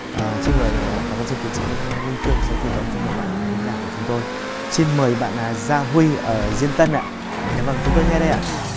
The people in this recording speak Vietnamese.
à xin mời à phó giáo sư tiến sĩ linh phương sẽ tư vấn cho một bạn khán thính giả của chúng tôi xin mời bạn bạn gia huy ở diên tân ạ dạ vâng chúng tôi nghe đây ạ